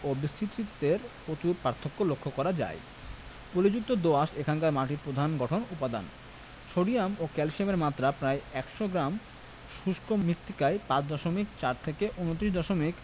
ও বিস্তৃতিতে প্রচুর পার্থক্য লক্ষ্য করা যায় পলিযুক্ত দোআঁশ এখানকার মাটির প্রধান গঠন উপাদান সোডিয়াম ও ক্যালসিয়ামের মাত্রা প্রতি ১০০ গ্রাম শুষ্ক মৃত্তিকায় ৫ দশমিক ৭ থেকে ২৯ দশমিক